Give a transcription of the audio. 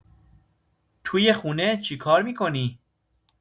توی خونه چی کار می‌کنی؟